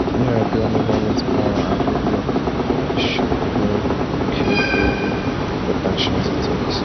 Yar'adua never left power and Goodluck should be very careful what actions he takes.